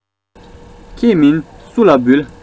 ཁྱེད མིན སུ ལ འབུལ